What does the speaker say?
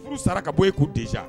Olu sara ka bɔ yen ko dɛsɛz